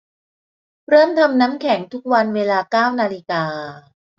เริ่มทำน้ำแข็งทุกวันเวลาเก้านาฬิกา